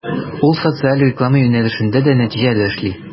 Ул социаль реклама юнәлешендә дә нәтиҗәле эшли.